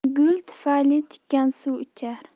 gul tufayli tikan suv ichar